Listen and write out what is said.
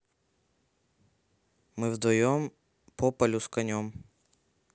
мы вдвоем по полю с конем